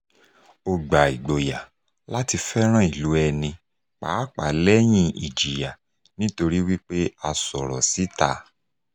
Ó gba ìgboyà láti fẹ́ràn ìlú ẹni pàápàá lẹ́yìn ìjìyà nítorí wípé a sọ̀rọ̀ síta.